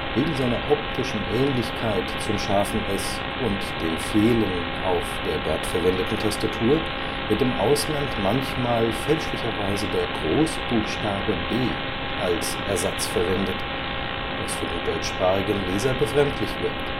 Wegen seiner optischen Ähnlichkeit zum ß und dem Fehlen auf der dort verwendeten Tastatur wird im Ausland manchmal fälschlicherweise der Großbuchstabe B als Ersatz verwendet, was für den deutschsprachigen Leser befremdlich wirkt